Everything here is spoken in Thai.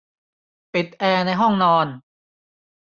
ปิดแอร์ในห้องนอน